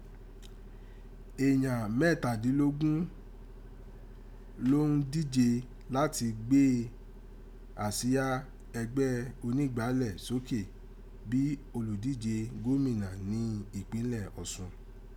Èèyàn mẹtadinlogun ló n dije láti gbé àsìá ẹgbẹ Onígbàálẹ̀ sókè bíi olùdíje gómìnà ní ìpínlẹ̀ Osun.